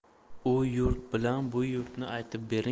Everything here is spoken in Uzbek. u yurt bilan bu yurtni aytib bering